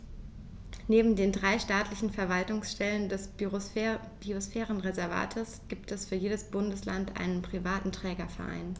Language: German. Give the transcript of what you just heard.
Neben den drei staatlichen Verwaltungsstellen des Biosphärenreservates gibt es für jedes Bundesland einen privaten Trägerverein.